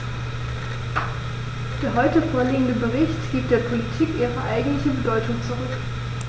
Der heute vorliegende Bericht gibt der Politik ihre eigentliche Bedeutung zurück.